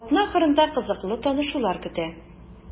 Атна ахырында кызыклы танышулар көтә.